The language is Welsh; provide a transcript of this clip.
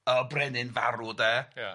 y brenin, farw 'de. Ia.